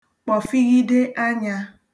kpọ̀fighide anyā